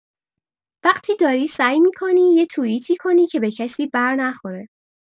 وقتی داری سعی می‌کنی یه توییتی کنی که به کسی برنخوره.